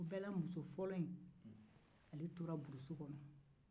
a muso fɔlɔ in ale tola burusi kɔnɔ